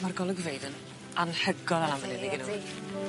Ma'r golygfeydd yn anhygoel lan fan